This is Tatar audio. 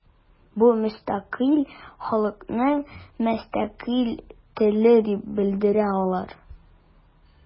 Бу – мөстәкыйль халыкның мөстәкыйль теле дип белдерә алар.